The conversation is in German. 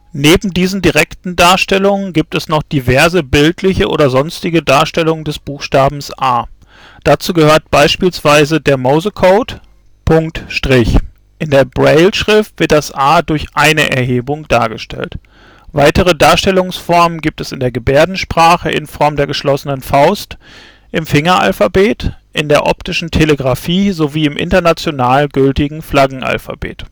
Neben diesen direkten Darstellungen gibt es noch diverse bildliche oder sonstige Darstellungen des Buchstabens „ A “. Dazu gehört beispielsweise der Morsecode: ·–. In der Brailleschrift wird das „ A “durch eine Erhebung dargestellt. Weitere Darstellungsformen gibt es in der Gebärdensprache in Form der geschlossenen Faust im Fingeralphabet, in der optischen Telegrafie sowie im international gültigen Flaggenalphabet